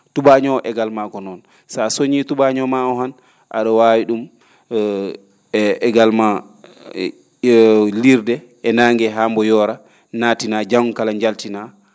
tubaañoo oo également ko noon so a soñii tubaaño maa oo han a?o waawi ?um également liirde e nannge haa mbo yoora nattinaa janngo kala njaaltinaa